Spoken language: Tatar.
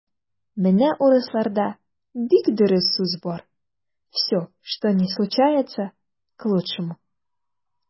Менә урысларда бик дөрес сүз бар: "все, что ни случается - к лучшему".